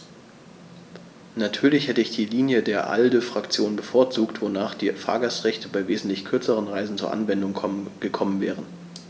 Natürlich hätte ich die Linie der ALDE-Fraktion bevorzugt, wonach die Fahrgastrechte bei wesentlich kürzeren Reisen zur Anwendung gekommen wären.